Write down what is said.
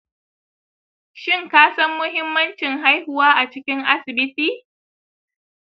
shin ka san muhimmancin haihuwa a cikin asibiti?